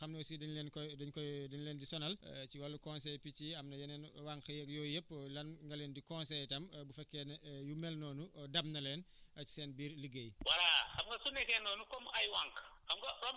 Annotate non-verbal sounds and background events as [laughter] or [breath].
am na solo [breath] mais béykat dugub yi bu dul picc yi am na yeneen yoo xam ne aussi dañ leen koy dañ koy daén leen di sonal [hesitation] si wàllu conseil picc yi am na yeneen wànq yeeg yooyu yëpp la nga leen di conseillé tam bu fekkee ne [hesitation] yu mel noonu dab na leen [breath] si seen biir liggéey